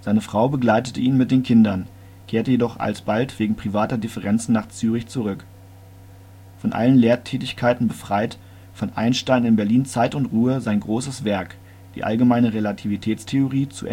Seine Frau begleitete ihn mit den Kindern, kehrte jedoch alsbald wegen privater Differenzen nach Zürich zurück. Von allen Lehrtätigkeiten befreit, fand Einstein in Berlin Zeit und Ruhe, sein großes Werk, die Allgemeine Relativitätstheorie, zu